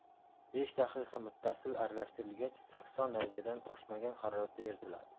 besh daqiqa mutassil aralashtirilgach sakson darajadan oshmagan haroratda eritiladi